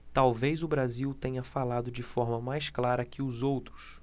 talvez o brasil tenha falado de forma mais clara que os outros